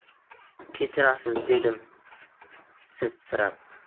kechirasiz dedim sizsirab